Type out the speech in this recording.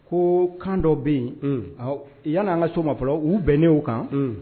Ko kan dɔw bɛ yen, unhun, yani, an ka se ma fɔlɔ, u bɛnnen o kan, unhun.